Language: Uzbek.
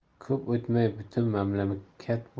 ko'p o'tmay butun